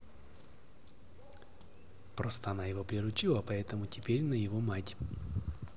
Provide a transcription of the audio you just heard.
просто она его приручила поэтому теперь на его мать